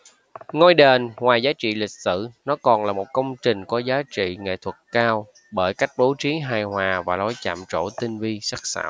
ngôi đền ngoài giá trị lịch sử nó còn là một công trình có giá trị nghệ thuật cao bởi cách bố trí hài hòa và lối chạm trổ tinh vi sắc sảo